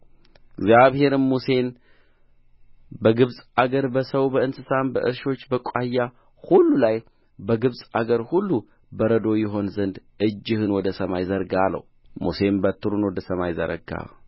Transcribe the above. እግዚአብሔርም ሙሴን በግብፅ አገር በሰው በእንስሳም በእርሻም ቡቃያ ሁሉ ላይ በግብፅ አገር ሁሉ በረዶ ይሆን ዘንድ እጅህን ወደ ሰማይ ዘርጋ አለው ሙሴም በትሩን ወደ ሰማይ ዘረጋ